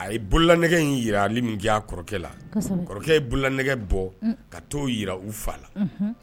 A ye bolola nɛgɛgɛ in jira min kɛ a kɔrɔkɛ la kɔrɔkɛ ye bolola nɛgɛgɛ bɔ ka t'o jira u fa la